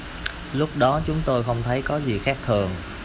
lúc đó chúng tôi không thấy có gì khác thường